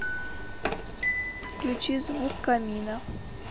включи звук камина